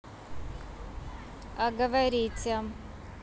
а говорите